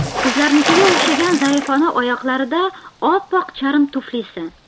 qizlarnikiga o'xshagan zaifona oyoqlarida oppoq charm tuflisi